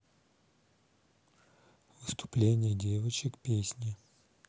выступление девочек песни